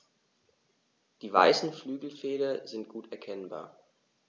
Die weißen Flügelfelder sind gut erkennbar.